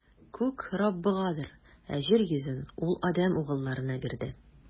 Күк - Раббыгадыр, ә җир йөзен Ул адәм угылларына бирде.